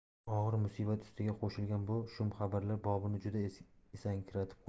og'ir musibat ustiga qo'shilgan bu shum xabarlar boburni juda esankiratib qo'ydi